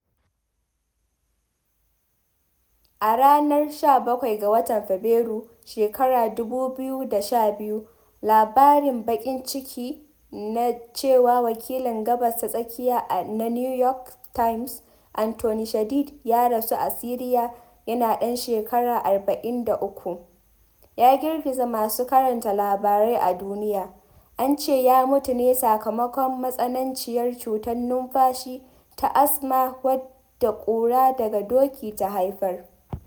A ranar 17 ga Fabrairu, 2012, labarin baƙin ciki na cewa wakilin Gabas ta Tsakiya na New York Times, Anthony Shadid, ya rasu a Siriya yana ɗan shekaru 43, ya girgiza masu karanta labarai a duniya. An ce ya mutu ne sakamakon matsananciyar cutar numfashi ta asma wadda ƙura daga doki ta haifar.